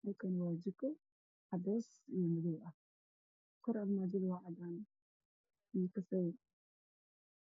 Halkaan waa jiko cadeys iyo madow ah, kor armaajadu waa cadaan iyo kafay.